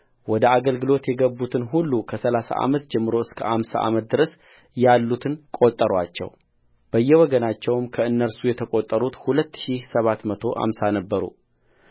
ወደ አገግሎት የገቡትን ሁሉ ከሠላሳ ዓመት ጀምሮ እስከ አምሳ ዓመት ድረስ ያሉትን ቈጠሩአቸውበየወገናቸውም ከእነርሱ የተቈጠሩት ሁለት ሺህ ሰባት መቶ አምሳ ነበሩ